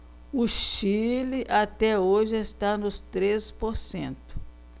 o chile até hoje está nos treze por cento